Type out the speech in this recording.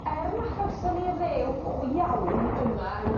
Er na chawson ni rew go iawn yma ym...